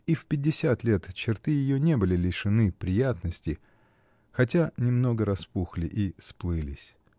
и в пятьдесят лет черты ее не были лишены приятности, хотя немного распухли и сплылись.